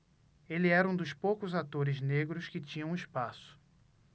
ele era um dos poucos atores negros que tinham espaço